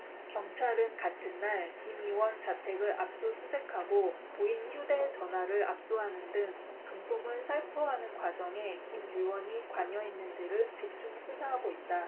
경찰은 같은 날 김 의원 자택을 압수수색하고 부인 휴대전화를 압수하는 등 금품을 살포하는 과정에 김 의원이 관여했는지를 집중 수사하고 있다